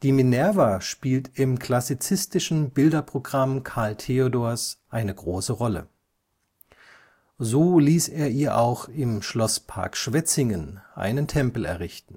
Minerva spielt im klassizistischen Bilderprogramm Karl Theodors eine große Rolle. So ließ er ihr auch im Schlosspark Schwetzingen einen Tempel errichten